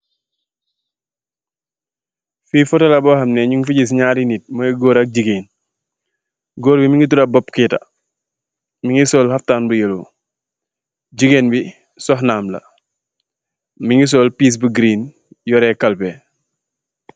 Fii foto la boo xam ne, ñung fa gis ñaari nit, muy goor ak jigéen. Goor ngi mu ngi tudda Bob Keyta, mu ngi sol grand mbuba bu nétte. Jigeen bi sox Naam la,l.Mu ngi sol piis bu " giriin"tiyee kalpe.